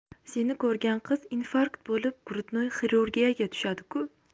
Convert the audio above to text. seni ko'rgan qiz infarkt bo'lib grudnoy xirurgiyaga tushadiku